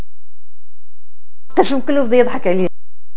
كله بيضحك